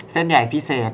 เส้นใหญ่พิเศษ